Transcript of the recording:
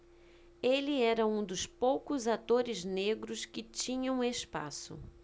ele era um dos poucos atores negros que tinham espaço